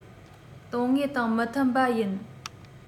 དོན དངོས དང མི མཐུན པ ཡིན